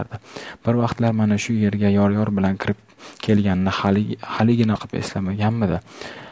bir vaqtlar mana shu uyga yor yor bilan kirib kelganini haligina eslamaganmidi